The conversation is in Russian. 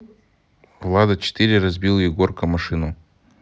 влада четыре разбил егорка машину